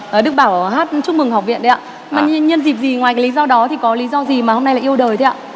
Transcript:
đức bảo hát chúc mừng học viện đấy ạ nhân dịp gì ngoài lý do đó thì có lý do gì mà hôm nay là yêu đời thế ạ